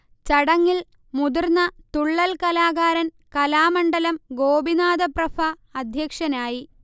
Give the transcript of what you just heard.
ചടങ്ങിൽ മുതിർന്ന തുള്ളൽ കലാകാരൻ കലാമണ്ഡലം ഗോപിനാഥപ്രഭ അധ്യക്ഷനായി